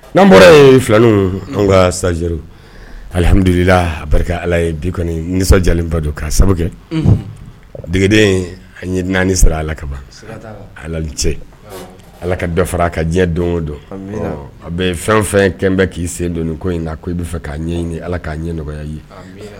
N'an bɔra ye filan an ka sajri alihamdula a barika ala ye kɔni nisɔnjaba don k'a sababu kɛ dden an ye naani sera ala kaban ala ni cɛ ala ka dɔ fara a ka diɲɛ don o dɔn a bɛ fɛn fɛn kɛlen bɛɛ k'i sen don ko in na ko i' fɛ ka ɲɛ ni ala k'a ɲɛ nɔgɔya ye